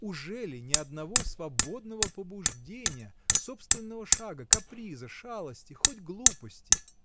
Ужели ни одного свободного побуждения, собственного шага, каприза, шалости, хоть глупости?.